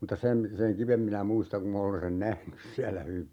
mutta sen sen kiven minä muistan kun minä olen sen nähnyt siellä hyvin